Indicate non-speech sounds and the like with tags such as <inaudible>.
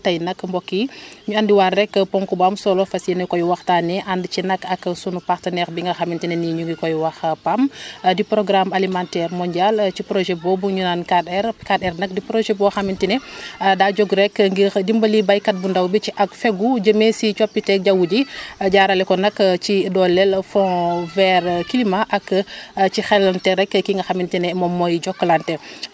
tey nag mbokk yi <breath> énu andiwaat rek ponk bu am solo fas yéene koy waxtaanee ànd ci nag ak sunu partenaire bi nga xamante ne ni ñu ngi koy wax PAM <breath> di programme alimentaire mondial ci projet boobu ñu naan 4R 4R nag di projet boo xamante ne <breath> daa jóg rek ngir dimbali béykat bu ndaw bi ci ak fegu jëmee si coppite jaww ji <breath> jaarale ko nag ci dooleel fond vert climat ak <inhales> ci xelante rek ki nga xamante ne moom mooy Jokalante <breath>